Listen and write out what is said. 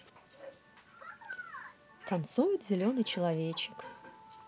танцует зеленый человечек